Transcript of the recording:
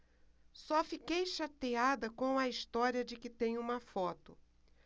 só fiquei chateada com a história de que tem uma foto